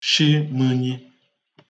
shi mə̄nyī